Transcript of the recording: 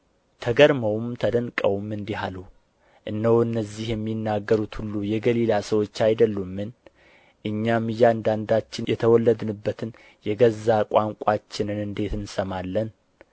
ተገርመውም ተደንቀውም እንዲህ አሉ እነሆ እነዚህ የሚናገሩት ሁሉ የገሊላ ሰዎች አይደሉምን እኛም እያንዳንዳችን የተወለድንበትን የገዛ ቋንቋችንን እንዴት እንሰማለን